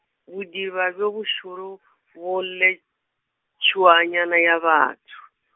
bodiba bjo bošoro, bo lle, tšhuanyana ya batho.